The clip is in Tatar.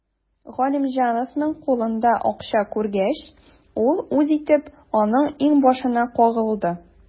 Галимҗановның кулында акча күргәч, ул үз итеп аның иңбашына кагылды.